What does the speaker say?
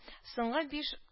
Соңгы биш